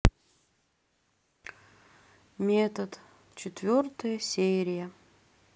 метод четвертая серия